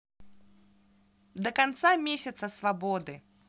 до конца месяца свободы